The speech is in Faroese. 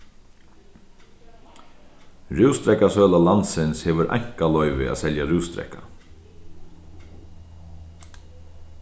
rúsdrekkasøla landsins hevur einkaloyvi at selja rúsdrekka